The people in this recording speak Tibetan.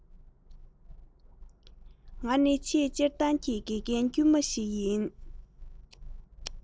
ང ནི ཆེས སྤྱིར བཏང གི དགེ རྒན དཀྱུས མ ཞིག ཡིན